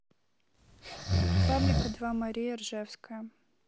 фабрика два мария ржевская